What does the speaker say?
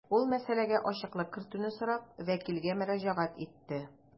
Ул мәсьәләгә ачыклык кертүне сорап вәкилгә мөрәҗәгать итте.